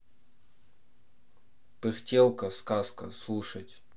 пыхтелка сказка слушать